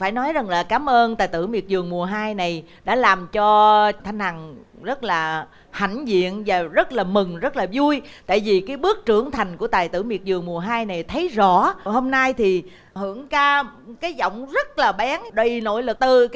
phải nói rằng lời cảm ơn tài tử miệt vườn mùa hai này đã làm cho thanh hằng cũng rất là hãnh diện và rất là mừng rất là vui vẻ gì khi bước trưởng thành của tài tử miệt vườn mùa hai này thấy rõ hôm nay thì hưởng cao cái giọng rất là bén đầy nội lực từ